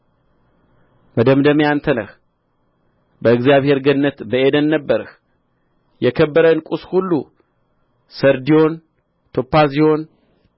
መደምደሚያ አንተ ነህ በእግዚአብሔር ገነት በዔድን ነበርህ የከበረ ዕንቍስ ሁሉ ሰርድዮን ቶጳዝዮን